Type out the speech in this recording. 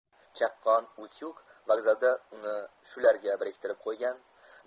chaqqon utyug vokzalda uni shularga biriktirib qo'ygan